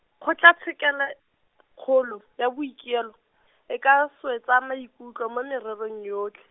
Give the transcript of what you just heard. Kgotlatshekelokgolo, ya boikuelo, e ka, swetsa maikutlo mo mererong yotlhe.